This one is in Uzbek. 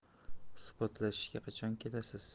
suhbatlashishga qachon kelasiz